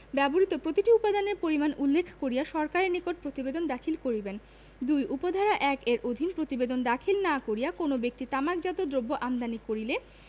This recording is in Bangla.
ব্যবহৃত প্রতিটি উপাদানের পরিমাণ উল্লেখ করিয়া সরকারের নিকট প্রতিবেদন দাখিল করিবেন ২ উপ ধারা ১ এর অধীন প্রতিবেদন দাখিল না করিয়া কোন ব্যক্তি তামাকজাত দ্রব্য আমদানি করিলে